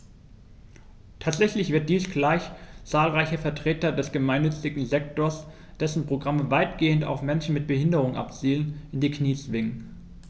Tatsächlich wird dies gleich zahlreiche Vertreter des gemeinnützigen Sektors - dessen Programme weitgehend auf Menschen mit Behinderung abzielen - in die Knie zwingen.